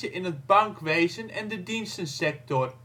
in het bankwezen en de dienstensector